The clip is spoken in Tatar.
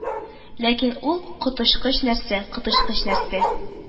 Ләкин ул коточкыч нәрсә, коточкыч нәрсә